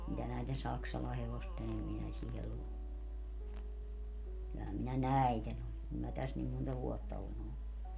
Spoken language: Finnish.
mitä näiden Saksalan hevosten - kyllähän minä näiden olen kun minä tässä niin monta vuotta olen ollut